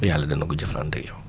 yàlla dana ko jëflante ak yow